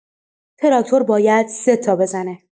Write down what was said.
تراکتور باید سه‌تا بزنه؟